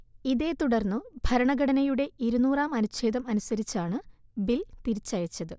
ഇതേ തുടർന്നു ഭരണഘടനയുടെ ഇരുന്നൂറാം അനുഛേദം അനുസരിച്ചാണ് ബിൽ തിരിച്ചയച്ചത്